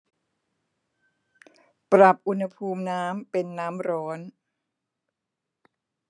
ปรับอุณหภูมิน้ำเป็นน้ำร้อน